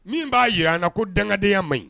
Min b'a jira an na ko dangadenyaya man ɲi